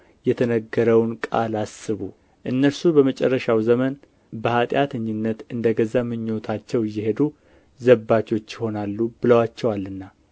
የተነገረውን ቃል አስቡ እነርሱ በመጨረሻው ዘመን በኃጢአተኝነት እንደ ገዛ ምኞታቸው እየሄዱ ዘባቾች ይሆናሉ ብለዋችኋልና